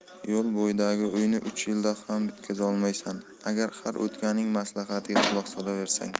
yo'l bo'yidagi uyni uch yilda ham bitkazolmaysan agar har o'tganning maslahatiga quloq solaversang